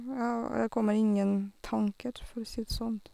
Ja, jeg kommer ingen tanker, for å si det sånn.